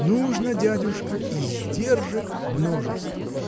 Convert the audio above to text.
нужно, дядюшка: издержек множество.